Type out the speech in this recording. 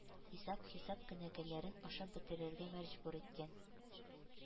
Исәп-хисап кенәгәләрен ашап бетерергә мәҗбүр иткән.